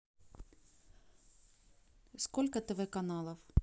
сколько тв каналов